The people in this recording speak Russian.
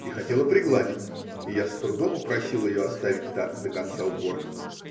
И хотела пригладить, и я с трудом упросил ее оставить так до конца уборки.